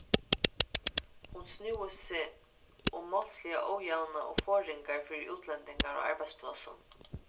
hon snúði seg um um málsliga ójavna og forðingar fyri útlendingar á arbeiðsplássum